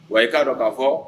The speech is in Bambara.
Wa i k'a dɔ ka fɔ